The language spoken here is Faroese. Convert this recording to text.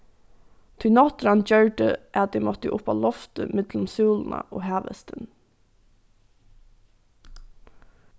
tí náttúran gjørdi at eg mátti upp á loftið millum súluna og havhestin